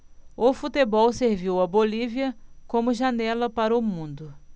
o futebol serviu à bolívia como janela para o mundo